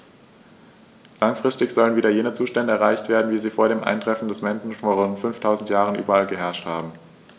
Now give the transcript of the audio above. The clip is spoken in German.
Langfristig sollen wieder jene Zustände erreicht werden, wie sie vor dem Eintreffen des Menschen vor rund 5000 Jahren überall geherrscht haben.